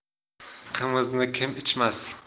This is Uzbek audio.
qimizni kim ichmas